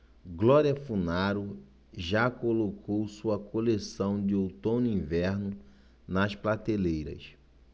glória funaro já colocou sua coleção de outono-inverno nas prateleiras